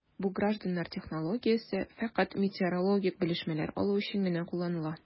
Бу гражданнар технологиясе фәкать метеорологик белешмәләр алу өчен генә кулланыла...